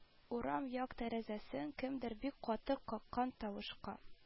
Урам як тәрәзәсен кемдер бик каты каккан тавышка